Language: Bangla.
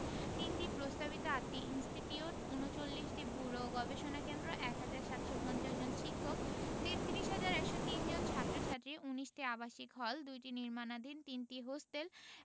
৩টি প্রস্তাবিত ৮টি ইনস্টিটিউট ৩৯টি ব্যুরো ও গবেষণা কেন্দ্র ১ হাজার ৭৫০ জন শিক্ষক ৩৩ হাজার ১০৩ জন ছাত্র ছাত্রী ১৯টি আবাসিক হল ২টি নির্মাণাধীন ৩টি হোস্টেল